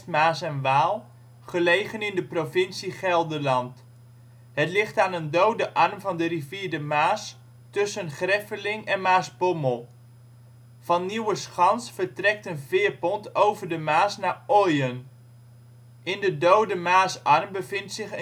Maas en Waal, gelegen in de provincie Gelderland. Het ligt aan een dode arm van de rivier de Maas tussen Greffeling en Maasbommel. Van Nieuwe Schans vertrekt een veerpont over de Maas naar Oijen. In de dode Maasarm bevindt zich